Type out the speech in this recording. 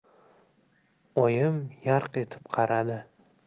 oyim yarq etib qaradi